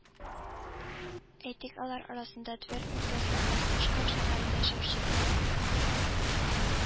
Әйтик, алар арасында Тверь өлкәсе Астешков шәһәрендә яшәүче